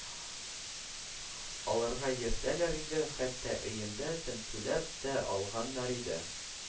Алырга йөртәләр иде, хәтта өемдә тентүләп тә алганнар иде;